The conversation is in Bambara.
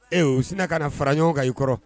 Ee sin ka fara ɲɔgɔn ka i kɔrɔ